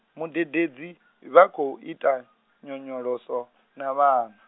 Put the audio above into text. mudededzi, vha khou ita, nyonyoloso, na vhana.